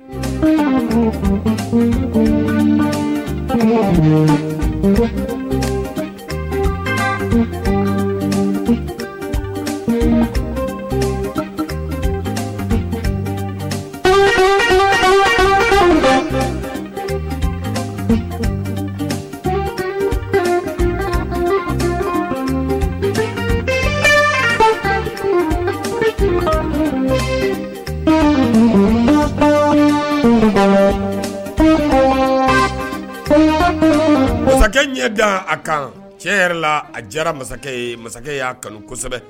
Masakɛ ɲɛ da a kan cɛ yɛrɛ la a jɛra masakɛ ye masakɛ y'a kanu kosɛbɛ